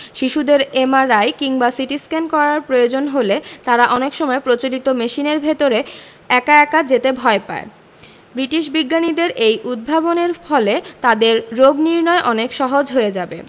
শিশুদের এমআরআই কিংবা সিটিস্ক্যান করার প্রয়োজন হলে তারা অনেক সময় প্রচলিত মেশিনের ভেতর একা একা যেতে ভয় পায় ব্রিটিশ বিজ্ঞানীদের এই উদ্ভাবনের ফলে তাদের রোগনির্নয় অনেক সহজ হয়ে যাবে